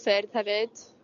hefyd